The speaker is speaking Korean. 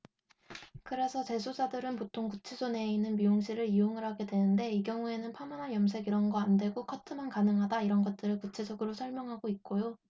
그래서 재소자들은 보통 구치소 내에 있는 미용실을 이용을 하게 되는데 이 경우에는 파마나 염색 이런 거 안 되고 커트만 가능하다 이런 것을 구체적으로 설명하고 있고요